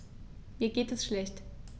Mir geht es schlecht.